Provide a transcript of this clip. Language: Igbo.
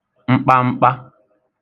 mkpamkpa